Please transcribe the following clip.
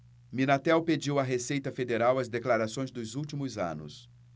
minatel pediu à receita federal as declarações dos últimos anos